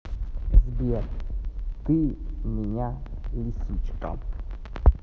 сбер ты меня лисичка